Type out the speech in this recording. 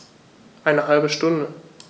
Eine halbe Stunde